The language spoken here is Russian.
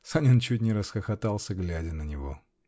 Санин чуть не расхохотался, глядя на него.